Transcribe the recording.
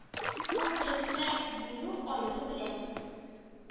Зур төрекне бүлү, аеру белән